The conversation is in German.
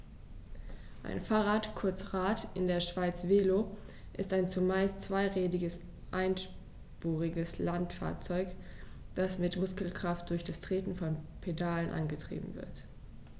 Ein Fahrrad, kurz Rad, in der Schweiz Velo, ist ein zumeist zweirädriges einspuriges Landfahrzeug, das mit Muskelkraft durch das Treten von Pedalen angetrieben wird.